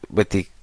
wedi...